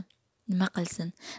nima qilsin